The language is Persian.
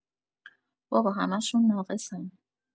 بابا همشون ناقصن